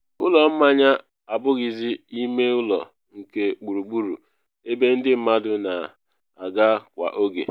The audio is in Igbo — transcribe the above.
“Ụlọ mmanya abụghịzị ime ụlọ nke gburugburu ebe ndị mmadụ na-aga kwa oge.”